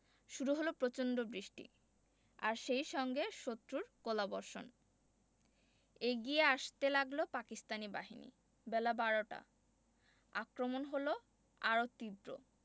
শুরু হলো প্রচণ্ড বৃষ্টি আর সেই সঙ্গে শত্রুর গোলাবর্ষণ এগিয়ে আসতে লাগল পাকিস্তানি বাহিনী বেলা বারোটা আক্রমণ হলো আরও তীব্র